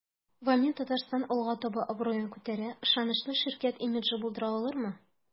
"вамин-татарстан” алга таба абруен күтәрә, ышанычлы ширкәт имиджын булдыра алырмы?